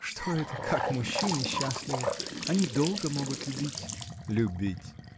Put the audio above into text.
Что это, как мужчины счастливы: они долго могут любить. — Любить!